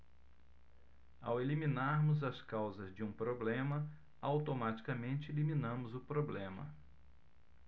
ao eliminarmos as causas de um problema automaticamente eliminamos o problema